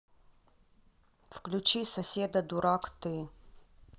включи соседа дурак ты